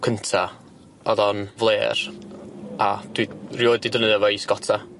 cynta' o'dd o'n flêr a dwi rioed 'di defnyddio fo i sgota.